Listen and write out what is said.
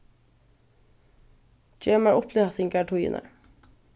gev mær upplatingartíðirnar